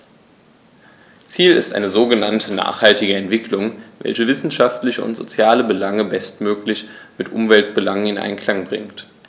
Ziel ist eine sogenannte nachhaltige Entwicklung, welche wirtschaftliche und soziale Belange bestmöglich mit Umweltbelangen in Einklang bringt.